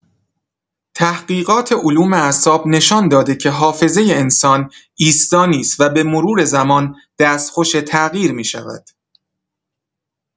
تحقیقات علوم اعصاب نشان داده که حافظۀ انسان ایستا نیست و به‌مرور زمان دستخوش تغییر می‌شود.